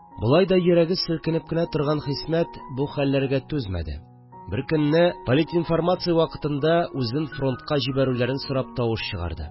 Болай да йөрәге селкенеп кенә торган Хисмәт бу хәлләргә түзмәде – бер көнне политинформация вакытында үзен фронтка җибәрүләрен сорап тавыш чыгарды